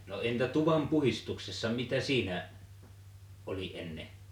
no entä tuvan puhdistuksessa mitä siinä oli ennen